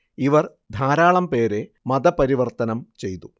ഇവര്‍ ധാരാളം പേരെ മത പരിവര്‍ത്തനം ചെയ്തു